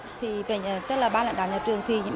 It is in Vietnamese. thì về nhà tức là ban lãnh đạo nhà trường thì